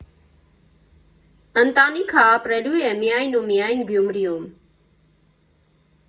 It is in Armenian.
Ընտանիքը ապրելու է միայն ու միայն Գյումրիում։